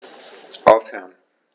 Aufhören.